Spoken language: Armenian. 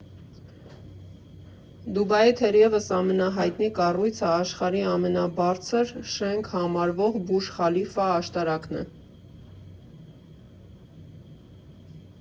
Դուբայի, թերևս, ամենահայտնի կառույցը աշխարհի ամենաբարձր շենք համարվող Բուրջ խալիֆա աշտարակն է։